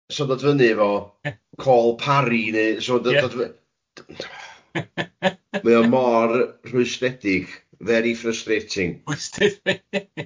'Sy fo'n dod fyny 'fo call Parry, neu sy fo'n dod dod d- d- d-... Mae o mor rhwystredig. Very frustrating.